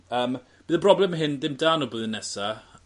Yym bydd y broblem hyn dim 'da n'w blwyddyn nesa...